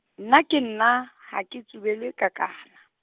nna ke nna, ha ke tsubelwe kakana.